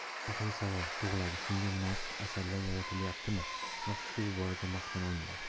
haqli savol tug'iladi shunga munosib asarlar yaratilyaptimi afsuski bu borada maqtana olmaymiz